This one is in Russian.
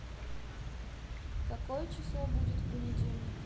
какое число будет в понедельник